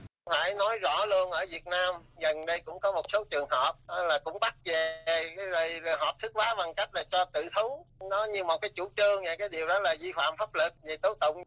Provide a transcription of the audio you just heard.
phải nói rõ luôn ở việt nam gần đây cũng có một số trường hợp đó là cũng bắt về thế rồi hợp thức hóa bằng cách là cho tự thú nó như một cái chủ trương và cái điều đó là vi phạm pháp luật về tố tụng